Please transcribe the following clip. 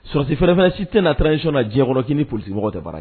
Sɔrasi fɛrɛrɛ fana si tɛ na diɲɛ kɔrɔc transition na k'i ni polimɔgɔ tɛ bara kɛ